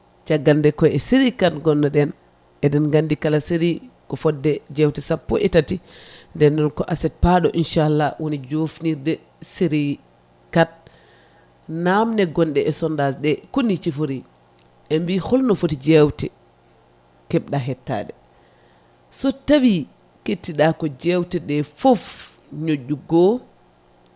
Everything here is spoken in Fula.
caggal nde ko e série 4 gonnoɗen eɗen gandi kala série ko fodde jewte sappo e tati nden noon ko aset paaɗo inchallah woni jofnirde série 4 namde gonɗe sondage ɗe koni cifori ɓe mbi holno foti jewte keɓɗa hettade so tawi kettiɗa ko jewteɗe foof ñoƴƴu goho